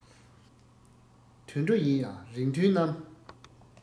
དུད འགྲོ ཡིན ཡང རིགས མཐུན རྣམས